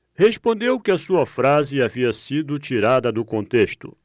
respondeu que a sua frase havia sido tirada do contexto